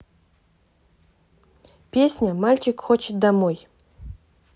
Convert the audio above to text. песня мальчик хочет домой